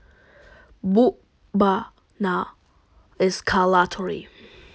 буба на эскалаторе